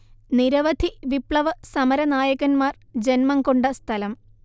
നിരവധി വിപ്ലവ സമരനായകന്മാർ ജന്മം കൊണ്ട സ്ഥലം